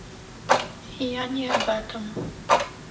я не об этом